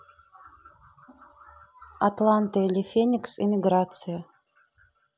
атланта или феникс эмиграция